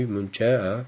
muncha a